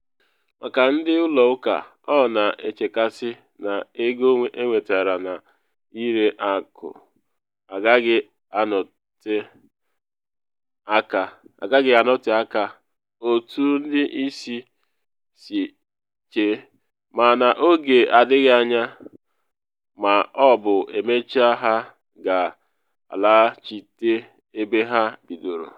Maka ndị ụlọ ụka, ọ na echekasị na ego enwetere na ịre akụ agaghị anọte aka otu ndị isi si chee, “ma n’oge adịghị anya ma ọ bụ emechaa ha ga-alaghachite ebe ha bidoro.”